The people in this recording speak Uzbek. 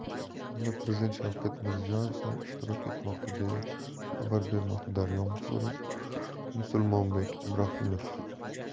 unda prezident shavkat mirziyoyev ham ishtirok etmoqda deya xabar bermoqda daryo muxbiri musulmonbek ibrohimov